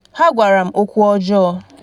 Ha gwara m okwu ọjọọ!